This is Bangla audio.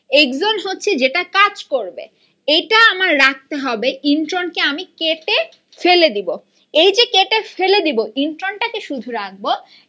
এক্সন হচ্ছে যেটা কাজ করবে এটা আমার রাখতে হবে ইনট্রন কে আমি কেটে ফেলে দিব এই যে কেটে ফেলে দিব ইনট্রন টাকে শুধু রাখবো